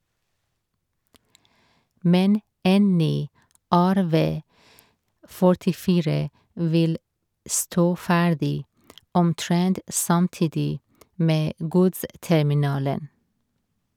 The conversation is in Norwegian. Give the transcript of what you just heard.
Men en ny RV 44 vil stå ferdig omtrent samtidig med godsterminalen.